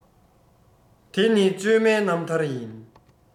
དེ ནི བཅོས མའི རྣམ ཐར ཡིན